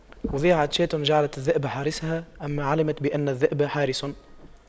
أضعت شاة جعلت الذئب حارسها أما علمت بأن الذئب حراس